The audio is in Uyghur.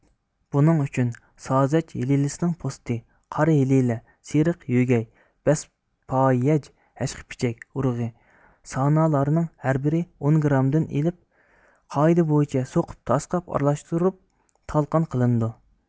بۇنىڭ ئۈچۈن سازەج ھېلىلىسىنىڭ پوستى قارا ھېلىلە سېرىق يۆگەي بەسپايەج ھەشقىپىچەك ئۇرۇغى سانا لارنىڭ ھەر بىرى ئون گىرامدىن ئېلىپ قائىدە بويىچە سوقۇپ تاسقاپ ئارىلاشتۇرۇپ تالقان قىلىنىدۇ